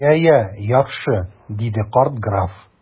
Я, я, яхшы! - диде карт граф.